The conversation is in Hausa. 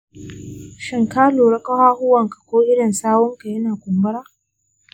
shin ka lura ƙafafunka ko idon sawunka yana kumbura?